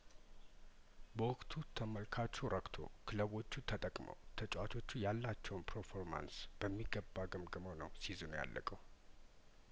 በወቅቱ ተመልካቹ ረክ ቶ ክለቦቹ ተጠቅመው ተጫዋቾቹ ያላቸውን ፕሮፎርማን ስበሚገባ ገምግመው ነው ሲዝኑ ያለቀው